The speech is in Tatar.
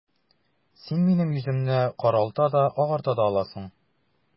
Син минем йөземне каралта да, агарта да аласың...